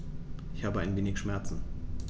Ich habe ein wenig Schmerzen.